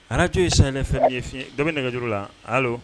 A' to ye san nefɛn yefin dɔ nɛgɛuru la hali